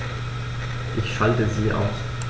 Ich schalte sie aus.